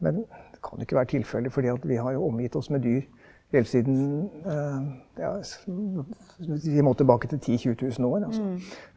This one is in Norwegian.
men det kan jo ikke være tilfellet fordi at vi har jo omgitt oss med dyr helt siden ja vi må tilbake ti tjuetusen år altså.